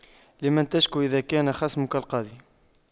لمن تشكو إذا كان خصمك القاضي